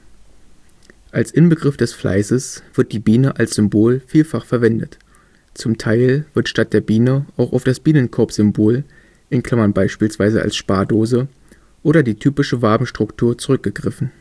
Inbegriff des Fleißes wird die Biene als Symbol vielfach verwendet; zum Teil wird statt der Biene auch auf das Bienenkorb-Symbol (beispielsweise als Spardose) oder die typische Wabenstruktur zurückgegriffen